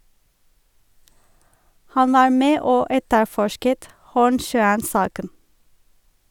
Han var med og etterforsket Hornsjøen-saken.